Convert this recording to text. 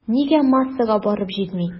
Нигә массага барып җитми?